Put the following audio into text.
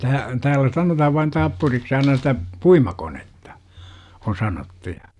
- täällä sanotaan vain tappuriksi aina sitä puimakonetta on sanottu ja